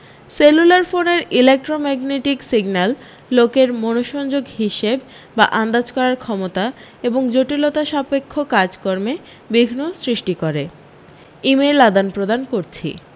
cellular ফোনের electromagnetic signal লোকের মনসংযোগ হিসেব বা আন্দাজ করার ক্ষমতা এবং জটিলতাসাপেক্ষ কাজকর্মে বিঘ্ন সৃষ্টি করে ইমেইল আদানপ্রদান করছি